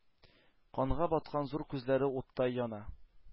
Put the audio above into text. Канга баткан зур күзләре уттай яна.